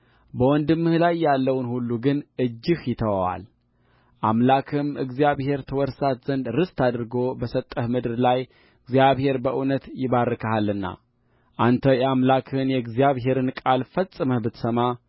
በወንድምህ ላይ ያለውን ሁሉ ግን እጅህ ይተወዋል አምላክህም እግዚአብሔር ትወርሳት ዘንድ ርስት አድርጎ በሰጠህ ምድር ላይ እግዚአብሔር በእውነት ይባርክሃልና አንተ የአምላክህን የእግዚአብሔርን ቃል ፈጽመህ ብትሰማ